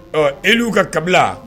Ɔ e y'u ka kabila